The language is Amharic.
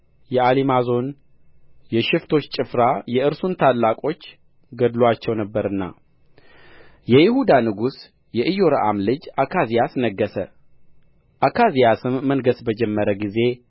የአሊማዞን የሽፍቶች ጭፍራ የእርሱን ታላቆች ገድለዋቸው ነበርና የይሁዳ ንጉሥ የኢዮራም ልጅ አካዝያስ ነገሠ አካዝያስም መንገሥ በጀመረ ጊዜ